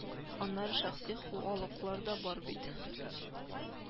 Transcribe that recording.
Аннары шәхси ху алыклар да бар бит